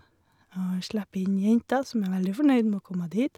Og slepp inn jenta, som er veldig fornøyd med å komme dit.